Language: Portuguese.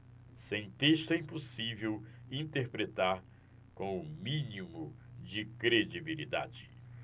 sem texto é impossível interpretar com o mínimo de credibilidade